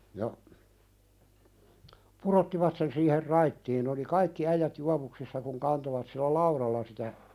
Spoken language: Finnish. ja pudottivat sen siihen raittiin ne oli kaikki äijät juovuksissa kun kantoivat sillä laudalla sitä